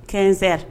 15 heures